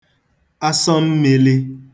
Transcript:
asọ mmīlī